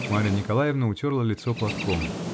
Марья Николаевна утерла лицо платком.